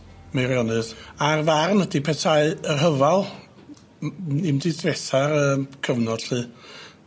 Meirionydd a'r barn ydi petai y rhyfal m- diwetha yym cyfnod 'lly